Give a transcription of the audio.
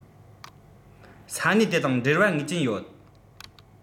ས གནས དེ དང འབྲེལ བ ངེས ཅན ཡོད